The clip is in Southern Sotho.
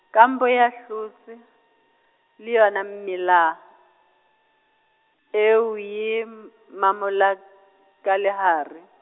kampo ya Hlotse, le yona mmila, o, e m- mamola, ka lehare.